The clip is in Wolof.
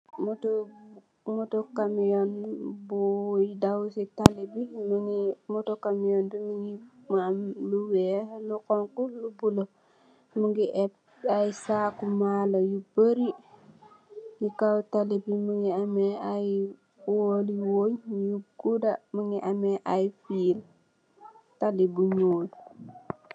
mutu cabiun buye daw si tali bi, mutu cabiun bi mungi am lu weex lu xong khu ak lu neteh mungi ep aye saku malo yu bari ci kaw talibi mungi am aye pole li wunye yu gudah mungi ame aye pin tali bu ñuul